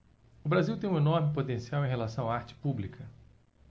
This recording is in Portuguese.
o brasil tem um enorme potencial em relação à arte pública